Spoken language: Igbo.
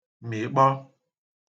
mìkpọ